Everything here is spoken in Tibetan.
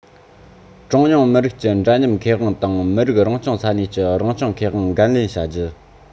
གྲངས ཉུང མི རིགས ཀྱི འདྲ མཉམ ཁེ དབང དང མི རིགས རང སྐྱོང ས གནས ཀྱི རང སྐྱོང ཁེ དབང འགན ལེན བྱ རྒྱུ